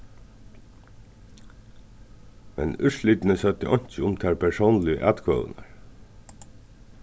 men úrslitini søgdu einki um tær persónligu atkvøðurnar